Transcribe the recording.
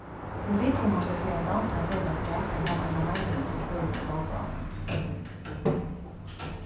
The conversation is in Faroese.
tað er viðkomandi fyri ein danskan felagsskap at hava eina meining um føroysku lóggávuna